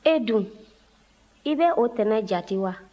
e dun i bɛ o tɛnɛ jate wa